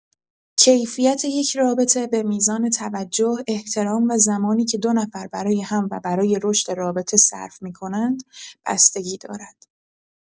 کیفیت یک رابطه به میزان توجه، احترام و زمانی که دو نفر برای هم و برای رشد رابطه صرف می‌کنند بستگی دارد.